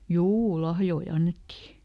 juu lahjoja annettiin